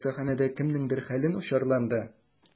Димәк, хастаханәдә кемнеңдер хәле начарланды?